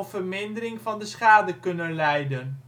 vermindering van de schade kunnen leiden